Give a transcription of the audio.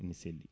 ene selli